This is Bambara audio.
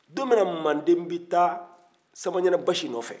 don min na manden bɛ taa samaɲana basi nɔfɛ